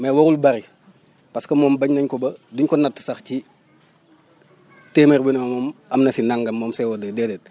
mais warul bëri parce que moom bañ nañ ko ba duñ ko natt sax ci téeméer bi non moom am na si nangam moom CO2 déedéet